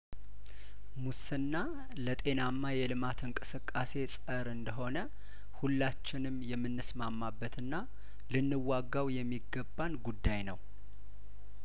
ሙስና ለጤናማ የልማት እንቅስቃሴ ጸር እንደሆነ ሁላችንም የምንስማማበትና ልንዋጋው የሚገባን ጉዳይ ነው